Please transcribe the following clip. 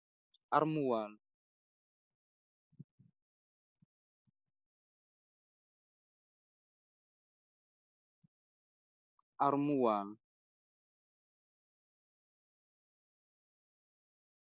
Armuwaal, armuwaal